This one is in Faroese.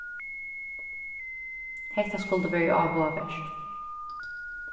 hetta skuldi verið áhugavert